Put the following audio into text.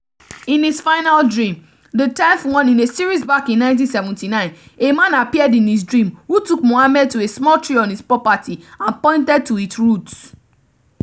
In his final dream, the tenth one in a series back in 1979, a man appeared in his dream who took Mohammed to a small tree on his property and pointed to its roots.